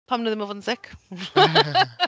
Pam maen nhw ddim yn fod yn sick .